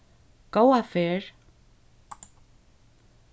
góða ferð